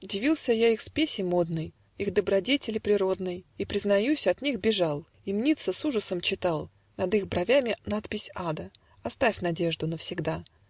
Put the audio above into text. Дивился я их спеси модной, Их добродетели природной, И, признаюсь, от них бежал, И, мнится, с ужасом читал Над их бровями надпись ада: Оставь надежду навсегда .